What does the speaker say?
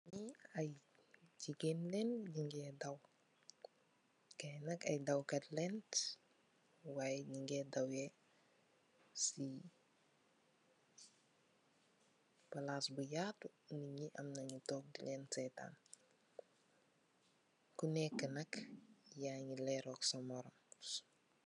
Nye aye jegain len nuge daw gaye nak aye daw kat len y nuge dawe se plase bu yatu neet ye amna nu tonke delen setan ku neka nak yage lelunk sa morom.